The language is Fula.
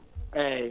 eeyi